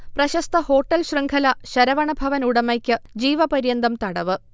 പ്രശസ്ത ഹോട്ടൽ ശൃംഖല ശരവണഭവൻ ഉടമയ്ക്ക് ജീവപര്യന്തം തടവ്